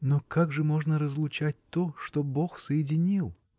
но как же можно разлучать то, что бог соединил?